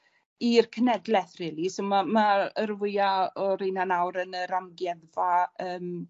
i'r cenedleth rili so ma' ma' yy y ra' fwya o rheina nawr yn yr amgueddfa yn